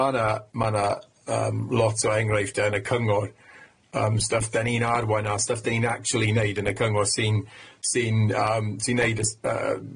Ma' na ma' na yym lot o enghreifftie yn y cyngor, yym stwff 'dan ni'n arwain ar, stwff 'dan ni'n actually neud yn y cyngor sy'n sy'n yym sy'n neud y s- yy